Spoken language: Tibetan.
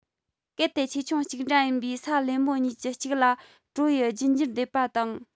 གལ ཏེ ཆེ ཆུང གཅིག འདྲ ཡིན པའི ས ལེབ མོ གཉིས ཀྱི གཅིག ལ གྲོ ཡི རྒྱུད འགྱུར འདེབས པ དང